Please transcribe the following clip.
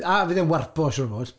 A fydd e'n warpo, siŵr o fod.